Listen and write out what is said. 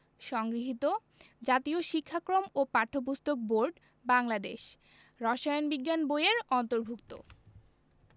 সংগৃহীত জাতীয় শিক্ষাক্রম ও পাঠ্যপুস্তক বোর্ড বাংলাদেশ রসায়ন বিজ্ঞান বই এর অন্তর্ভুক্ত